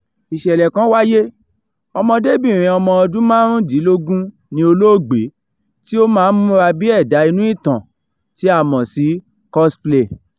Ìṣẹ̀lẹ̀ kan wáyé, ọmọdébìnrin ọmọ ọdún 15 ni olóògbé tí ó máa ń múra bí ẹ̀dá-inú ìtàn tí a mọ̀ sí cosplay.